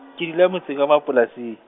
ke dula motseng wa Mapolasing.